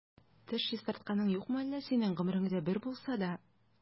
Теш чистартканың юкмы әллә синең гомереңдә бер булса да?